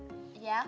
dạ